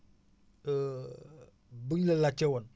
bu ñu la laajte woon